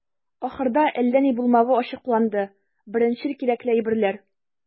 Ахырда, әллә ни булмавы ачыкланды - беренчел кирәкле әйберләр.